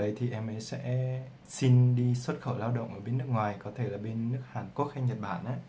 sau đó em ấy sẽ xin đi xklđ nước ngoài có thể là nhật hoặc hàn